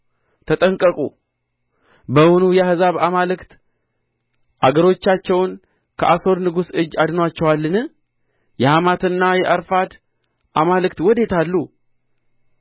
ተጠንቀቁ በውኑ የአሕዛብ አማልክት አገሮቻቸውን ከአሦር ንጉሥ እጅ አድነዋቸዋልን የሐማትና የአርፋድ አማልክት ወዴት አሉ